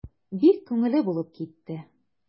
Бик күңелле булып китте.